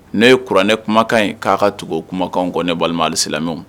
Ne ye kuranɛ kumakan ye k'a ka tugu kumakanw kɔ ne balima alisilamɛw